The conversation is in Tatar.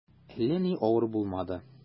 Әллә ни авыр булмады.